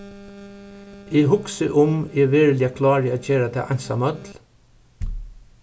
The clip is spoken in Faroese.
eg hugsi um eg veruliga klári at gera tað einsamøll